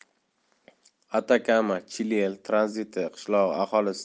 atakama chiliel tranziti qishlog'i aholisi